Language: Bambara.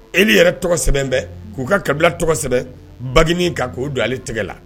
Eli yɛrɛ tɔgɔ sɛbɛn bɛ, k'u ka kabila tɔgɔ sɛbɛn bague nin kan, k'o don ale tɛgɛ la.